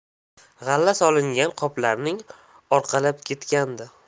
g'alla solingan qoplarni orqalab ketgandi